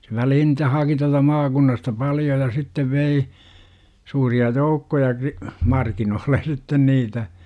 se väliin niitä haki tuolta maakunnasta paljon ja sitten vei suuria joukkoja - markkinoille sitten niitä